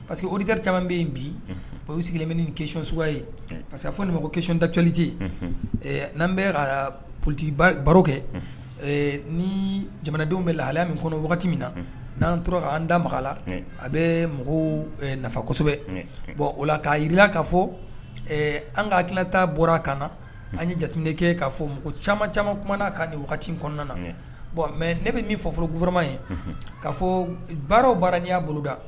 Parceri que o gari caman bɛ yen bi p sigilen bɛ ni kecons ye parce que fɔ nin ma ko kecon tacliti n'an bɛ ka politi baro kɛ ni jamanadenw bɛ la aya min kɔnɔ wagati min na n'an tora' an da mala a bɛ mɔgɔw nafa kosɛbɛ bɔn o la k'a jira ka fɔ an kaa kita bɔra a kan na an ye jate kɛ kaa fɔ mɔgɔ caman camanumana na k'a nin kɔnɔna na bon mɛ ne bɛ min fɔ forouguoroma ye ka fɔ baro baara n y'a boloda